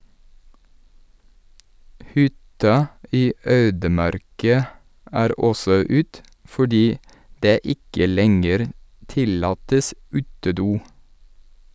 Hytta i ødemarka er også ut, fordi det ikke lenger tillates utedo.